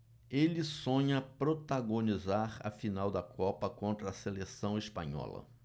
ele sonha protagonizar a final da copa contra a seleção espanhola